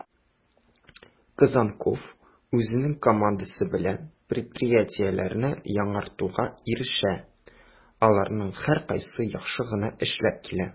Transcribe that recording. Козонков үзенең командасы белән предприятиеләрне яңартуга ирешә, аларның һәркайсы яхшы гына эшләп килә: